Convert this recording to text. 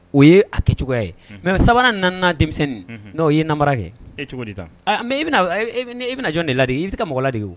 O ye a kɛ cogoya ye mɛ sabanan nana denmisɛnnin n'o ye nara kɛ e cogo e bɛna jɔn de lade i bɛ se mɔgɔ la de o